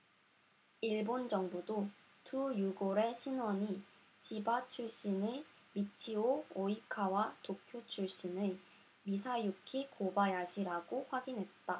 일본 정부도 두 유골의 신원이 지바 출신의 미치오 오이카와 도쿄 출신의 마사유키 고바야시라고 확인했다